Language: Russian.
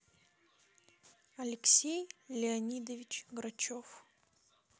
алексей леонидович грачев